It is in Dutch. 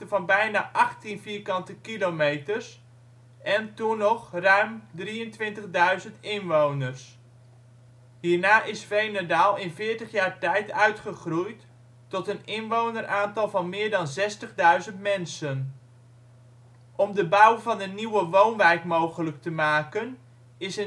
bijna achttien vierkante kilometers en (toen nog) ruim 23.000 inwoners. Hierna is Veenendaal in veertig jaar tijd uitgegroeid tot het inwoneraantal van meer dan 60.000 mensen. Om de bouw van een nieuwe woonwijk mogelijk te maken is